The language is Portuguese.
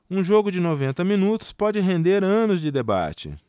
um jogo de noventa minutos pode render anos de debate